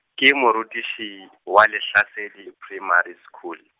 ke morutiši, wa Lehlasedi Primary School.